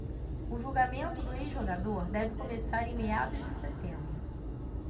o julgamento do ex-jogador deve começar em meados de setembro